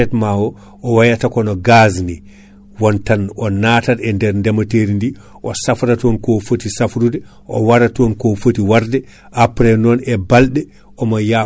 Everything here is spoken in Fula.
RMG Sénégal kaadi nde heeɓi Aprostar o gua banggue fouta men gua diwan Fouta o Ndar tan ha heeɓi bakkel Aprostar kaadi waɗa koye judɗe établissement Kane et fils